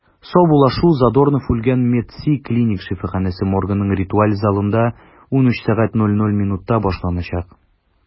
Саубуллашу Задорнов үлгән “МЕДСИ” клиник шифаханәсе моргының ритуаль залында 13:00 (мск) башланачак.